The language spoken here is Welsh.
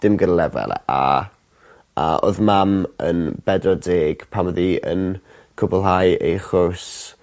Dim gyda lefele A. A oedd mam yn bedwar deg pan odd 'i yn cwblhau ei chwrs